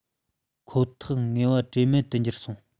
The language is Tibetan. ཁོ ཐག ངལ བ འབྲས མེད དུ གྱུར སོང